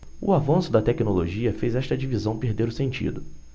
o avanço da tecnologia fez esta divisão perder o sentido